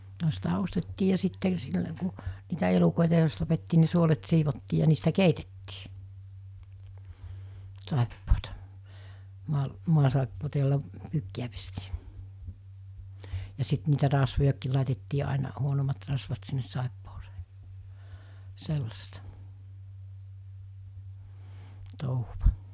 no sitä ostettiin ja sitten silloin kun niitä elukoita jos tapettiin niin suolet siivottiin ja niistä keitettiin saippuaa - maasaippuaa jolla pyykkiä pestiin ja sitten niitä rasvojakin laitettiin aina huonommat rasvat sinne saippuaan sellaista touhua